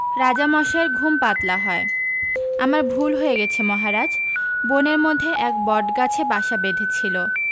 রাজামশাইয়ের ঘুম পাতলা হয় আমার ভুল হয়ে গেছে মহারাজ বনের মধ্যে এক বটগাছে বাসা বেঁধেছিল